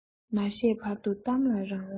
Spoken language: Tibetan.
མ བཤད བར དུ གཏམ ལ རང དབང ཐོབ